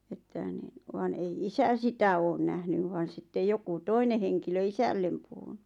että niin vaan ei isä sitä ole nähnyt vaan sitten joku toinen henkilö isälle puhunut